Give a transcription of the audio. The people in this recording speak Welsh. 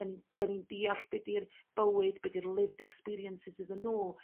dyn ni'n dyn ni'n deall be 'dy'r bywyd be 'dy'r lived experiences iddyn nhw.